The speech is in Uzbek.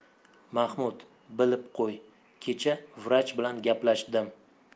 mahmud bilib qo'y kecha vrach bilan gaplashdim